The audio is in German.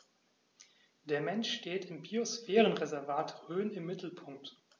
Der Mensch steht im Biosphärenreservat Rhön im Mittelpunkt.